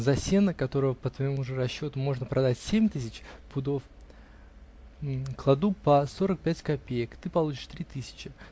за сено, которого, по твоему же расчету, можно продать семь тысяч пудов, -- кладу по сорок пять копеек, -- ты получишь три тысячи